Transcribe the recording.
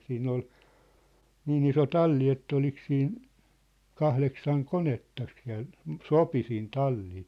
siinä oli niin iso talli että oliko siinä kahdeksan konetta siellä sopi siihen talliin